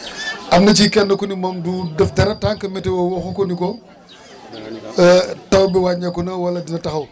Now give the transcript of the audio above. am na ci kenn ku ne moom du def dara tant que météo waxu ko ni ko taw bi wàññeeku na wala di na taxaw